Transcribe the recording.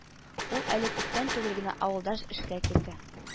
Ул әле күптән түгел генә авылда эшкә килде